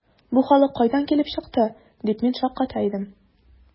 “бу халык кайдан килеп чыкты”, дип мин шакката идем.